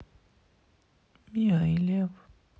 миа и лев